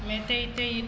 mais tay tay